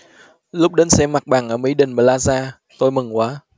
lúc đến xem mặt bằng ở mỹ đình plaza tôi mừng quá